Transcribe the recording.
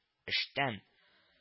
– эштән